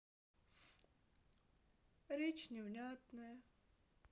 rich невнятное